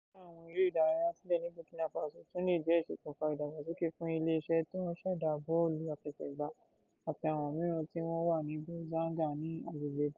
Dídá àwọn eré ìdárayá sílẹ̀ ni Burkina Faso tún lè jẹ́ iṣokùnfà Ìdàgbàsókè fún iléeṣẹ̀ tó ń ṣẹda bọ́ọ̀lù àfẹsẹ̀gbá (àti àwọn mìíràn) tó wà ní Bourzanga ní agbègbè Bam.